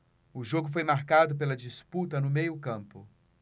o jogo foi marcado pela disputa no meio campo